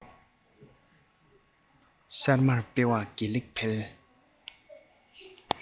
ཤར མར སྤེལ བ དགེ ལེགས འཕེལ